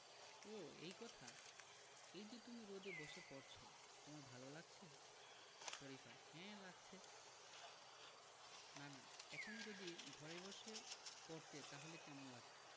ও এই কথা এই যে তুমি রোদে বসে পড়ছ তোমার ভালো লাগছে শরিফা হ্যাঁ লাগছে নানা এখন যদি ঘরে বসে পড়তে তাহলে কেমন লাগত